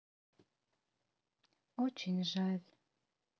очень жаль